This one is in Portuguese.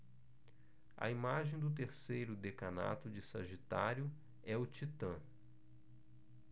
a imagem do terceiro decanato de sagitário é o titã